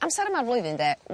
Amsar yma o'r flwyddyn 'de